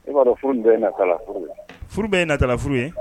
I b'a dɔn furu in bɛɛ ye natala furu ye, furu bɛɛ ye natala furu ye?